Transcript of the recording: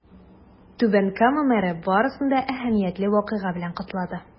Түбән Кама мэры барысын да әһәмиятле вакыйга белән котлады.